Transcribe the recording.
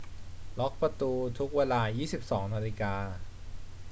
ล็อคประตูทุกเวลายี่สิบสองนาฬิกา